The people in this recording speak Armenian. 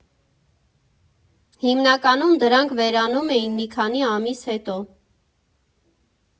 Հիմնականում դրանք վերանում էին մի քանի ամիս հետո։